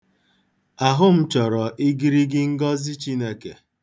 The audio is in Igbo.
Ahụ m chọrọ igirigi ngọzị Chineke.